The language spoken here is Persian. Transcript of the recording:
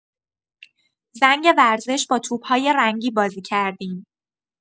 زنگ ورزش با توپ‌های رنگی بازی کردیم.